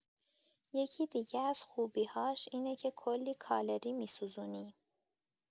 یکی دیگه از خوبی‌هاش اینه که کلی کالری می‌سوزونی!